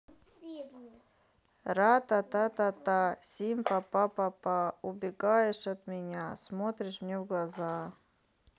ратататата симпа па па убегаешь от меня смотришь мне в глаза